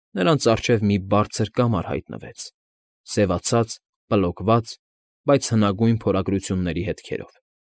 Նրանց առջև մի բարձր կամար հայտնվեց՝ սևացած, պլոկված, բայց հնագույն փորագրությունների հետքերով։